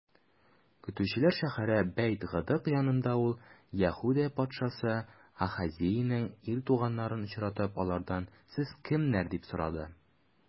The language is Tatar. Көтүчеләр шәһәре Бәйт-Гыкыд янында ул, Яһүдә патшасы Ахазеянең ир туганнарын очратып, алардан: сез кемнәр? - дип сорады.